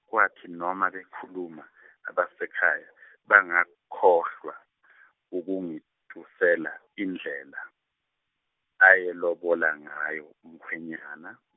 kwathi noma bekhuluma abasekhaya bangakhohlwa ukungitusela indlela, ayelobola ngayo umkhwenyana.